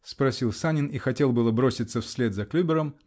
-- спросил Санин и хотел было броситься вслед за Клюбером